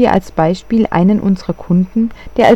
als Beispiel einen unserer Kunden, der